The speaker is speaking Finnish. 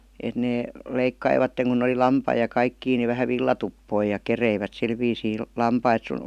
että ne leikkasivat kun oli lampaita ja kaikkia niin vähän villatuppoja ja kerivät sillä viisiin lampaita sun